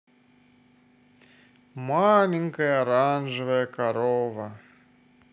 маленькая оранжевая корова